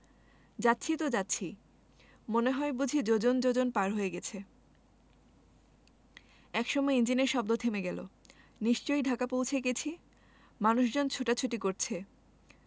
যাচ্ছি তো যাচ্ছি মনে হয় বুঝি যোজন যোজন পার হয়ে গেছে একসময় ইঞ্জিনের শব্দ থেমে গেলো নিশ্চয়ই ঢাকা পৌঁছে গেছি মানুষজন ছোটাছুটি করছে